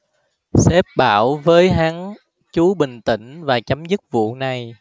sếp bảo với hắn chú bình tĩnh và chấm dứt vụ này